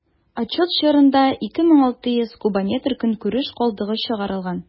Отчет чорында 2600 кубометр көнкүреш калдыгы чыгарылган.